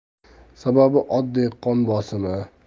sababi oddiy qon bosimi